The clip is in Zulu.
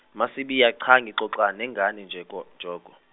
MaSibiya, cha ngixoxa nengane nje ko Joko.